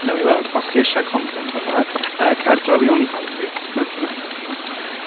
Wnawn ni weld, os chi isie content hwnna, yy cer draw i OnlyFans fi .